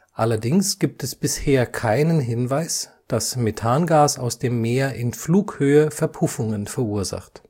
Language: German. Allerdings gibt es bisher keinen Hinweis, dass Methangas aus dem Meer in Flughöhe Verpuffungen verursacht